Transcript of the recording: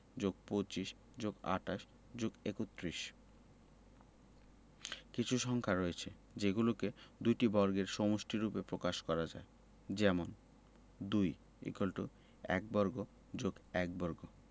+২৫+২৮+৩১ কিছু সংখ্যা রয়েছে যেগুলোকে দুইটি বর্গের সমষ্টিরুপে প্রকাশ করা যায় যেমনঃ ২ = ১ বর্গ + ১ বর্গ